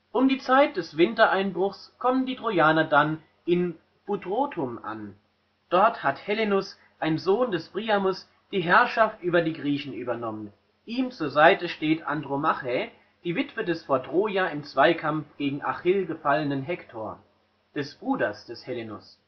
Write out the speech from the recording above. Um die Zeit des Wintereinbruchs kommen die Trojaner dann in Buthrotum an; dort hat Helenus, ein Sohn des Priamus, die Herrschaft über die Griechen übernommen, ihm zur Seite steht Andromache, die Witwe des vor Troja im Zweikampf gegen Achill gefallenen Hektor, des Bruders des Helenus